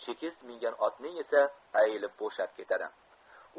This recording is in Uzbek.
chekist mingan otning esa ayili bo'shab ketadi